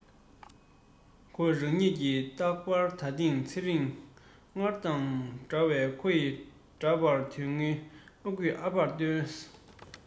ཁོ རང ཉིད ཀྱི རྟག པར ད ཐེངས ཚེ རིང སྔར དང འདྲ ཁོ ཡི འདྲ པར དེ སྔོན ཨ ཁུས ཨ ཕར སྟོན